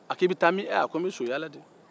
a k'i bɛ taa min